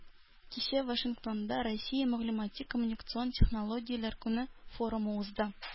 Кичә Вашингтонда “Россия мәгълүмати-коммуникацион технологияләр көне” форумы узды.